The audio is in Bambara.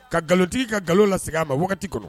Ka nkalonlotigi ka nkalon la segin a ma wagati kɔnɔ